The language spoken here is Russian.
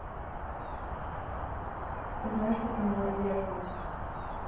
ты знаешь в каком городе я живу